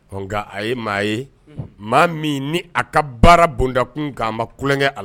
A ye ye maa min ni a ka baara bonda kun nka an ma ku tulonkɛ a la